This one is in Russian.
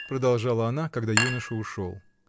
— продолжала она, когда юноша ушел.